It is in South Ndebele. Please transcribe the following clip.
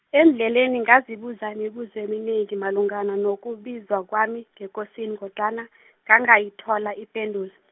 endleleni ngazibuza imibuzo eminengi malungana nokubizwa kwami, ngekosini kodwana , ngangayithola ipendulo.